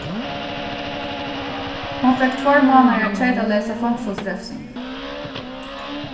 hon fekk tveir mánaðar treytaleysa fongsulsrevsing